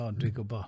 O, dwi'n gwbo.